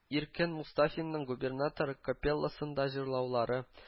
Иркен Мустафинның губернатор копелласында җырлаулары